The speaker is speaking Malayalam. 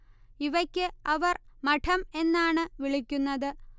ഇവയ്ക്ക് അവർ മഠം എന്നാണ് വിളിക്കുന്നത്